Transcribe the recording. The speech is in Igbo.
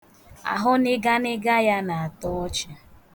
Ahụ nịganịga ya na-atọ ọchị.